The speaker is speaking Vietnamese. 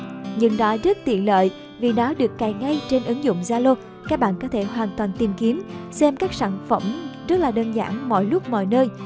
nhưng nó rất là tiện lợi vì nó được cài ngay trên ứng dụng zalo và các bạn có thể hoàn toàn tìm kiếm xem các sản phẩm trên này rất nhanh đơn giản mọi lúc mọi nơi